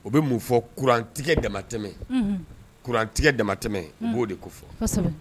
U bɛ mun fɔ kurantigi damatɛmɛ kurantigɛ damatɛ b'o de ko fɔ